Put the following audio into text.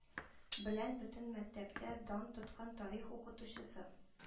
Белән бөтен мәктәптә дан тоткан тарих укытучысы